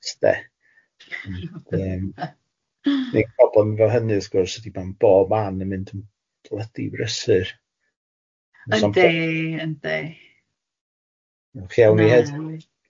Ti be yym, neu problem efo hyny wrth gwrs ydi bod bob man yn mynd yn blydi brysur... Yndi yndi.